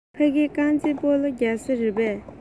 ཕ གི རྐང རྩེད སྤོ ལོ རྒྱག ས རེད པས